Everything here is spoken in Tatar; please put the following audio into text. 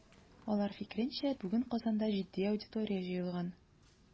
Алар фикеренчә, бүген Казанда җитди аудитория җыелган.